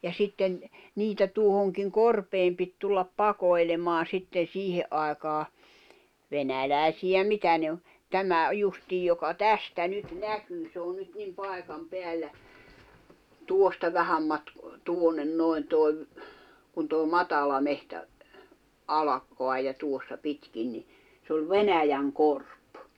ja sitten niitä tuohonkin korpeen piti tulla pakoilemaan sitten siihen aikaan venäläisiä mitä ne on tämä justiin joka tästä nyt näkyy se on nyt niin paikan päällä tuosta vähän - tuonne noin tuo - kun tuo matala metsä - alkaa ja tuossa pitkin niin se oli Venäjänkorpi